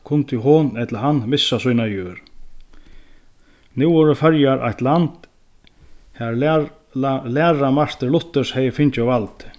kundi hon ella hann missa sína jørð nú vóru føroyar eitt land har læra luthers hevði fingið valdið